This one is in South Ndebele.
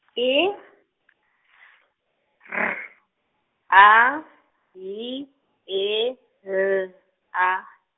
I, R, A, Y, E, L, A.